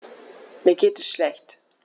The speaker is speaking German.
Mir geht es schlecht.